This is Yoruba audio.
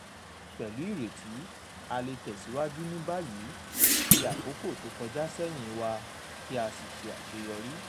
Pẹ̀lú ìrètí, a lè tẹ̀síwájú ní báyìí, fi àkókò tó kọjá sẹ́hìn wá kí a sì ṣe àṣeyọrí."